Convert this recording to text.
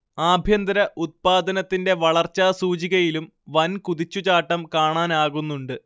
ആഭ്യന്തര ഉത്പാദനത്തിന്റെ വളർച്ചാ സൂചികയിലും വൻകുതിച്ചു ചാട്ടം കാണാനാകുന്നുണ്ട്